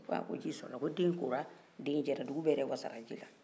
ko den kola den jɛla dugu bɛɛ yɛrɛ wasala jiko la